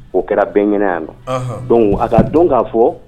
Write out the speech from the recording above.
O kɛra bɛng yan nɔ don a ka don k'a fɔ